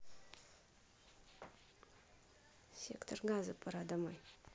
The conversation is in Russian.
сектор газа пора домой